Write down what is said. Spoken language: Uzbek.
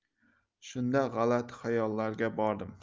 shunda g'alati xayollarga bordim